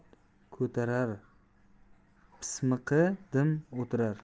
pismiqi dim o'tirar